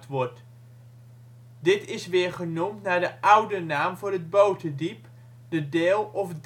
genoemd naar de oude naam voor het Boterdiep, de Deel of Delf